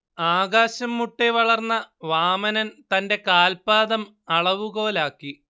ആകാശംമുട്ടെ വളർന്ന വാമനൻ തന്റെ കാൽപ്പാദം അളവുകോലാക്കി